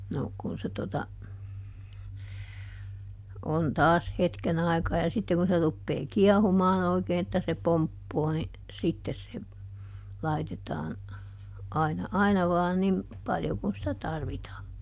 no kun se tuota on taas hetken aikaa ja sitten kun se rupeaa kiehumaan oikein että se pomppaa niin sitten se laitetaan aina aina vain niin paljon kuin sitä tarvitaan